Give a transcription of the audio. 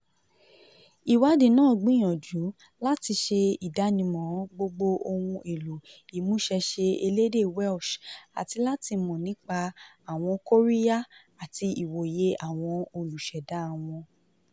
Ìwádìí náà gbìyànjú láti ṣe ìdámọ̀ gbogbo ohun èlò ìmúṣẹ́ṣe elédè Welsh, àti láti mọ̀ nípa àwọn kóríyá àti ìwòye àwọn olùṣẹ̀dá wọn.